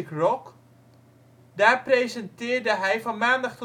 Rock). Daar presenteerde hij van maandag